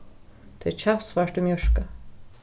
tað er kjaftsvart í mjørka